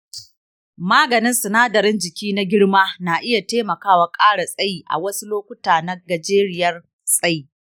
maganin sinadarin jiki na girma na iya taimaka wa ƙara tsayi a wasu lokuta na gajeriyar tsayi.